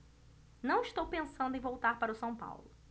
não estou pensando em voltar para o são paulo